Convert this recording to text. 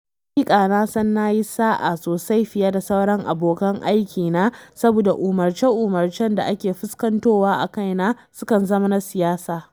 Haƙiƙa, na san na ti sa’a sosai fiye da sauran abokan aikina saboda umarce-umarce da ake fuskantowa a kaina sukan zama na siyasa.